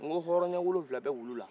ko hɔrɔnya wolonwula bɛ wulu la